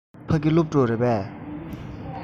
ཕ གི སློབ ཕྲུག རེད པས